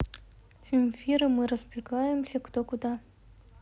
земфира мы разбегаемся кто куда